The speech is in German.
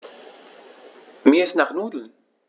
Mir ist nach Nudeln.